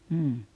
mm